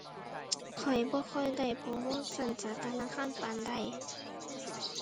ข้อยบ่ค่อยได้โปรโมชันจากธนาคารปานใด